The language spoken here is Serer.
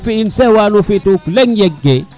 o fi in sax wano feto o leŋ yeg ke